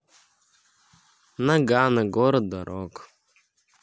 ноггано город дорог